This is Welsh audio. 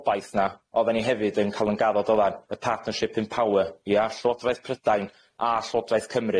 bynna'n grynno ydi pwrpas y gampgyrraedd adroddiad diolch.